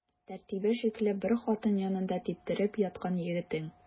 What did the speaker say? Тәртибе шикле бер хатын янында типтереп яткан егетең.